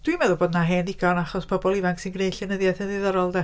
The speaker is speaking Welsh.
Dwi'n meddwl bod 'na hen ddigon achos pobl ifanc sy'n gwneud llenyddiaeth yn ddiddorol de.